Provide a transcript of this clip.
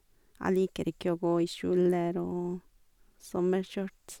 Jeg liker ikke å gå i kjoler og sommerskjørt.